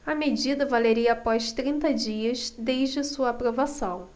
a medida valeria após trinta dias desde a sua aprovação